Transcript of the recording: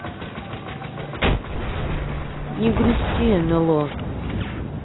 не грусти нло